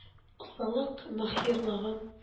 Осталык-маһирлыгын